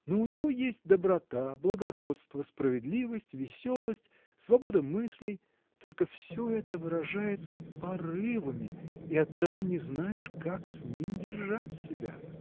Но у него есть доброта, благородство, справедливость, веселость, свобода мыслей: только всё это выражается порывами, и оттого не знаешь, как с ним держать себя.